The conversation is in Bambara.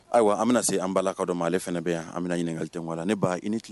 Ayiwa an bɛna se an bala ka dɔ ma ale fana bɛ yan an bɛna ɲininkali tɔngɔn a la, ne ba i ni tile